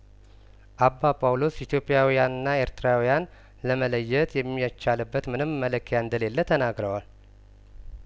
አባ ጳውሎስ ኢትዮጵያውያንና ኤርትራውያን መለየት የሚቻል በትምንም መለኪያ እንደሌለ ተናግረዋል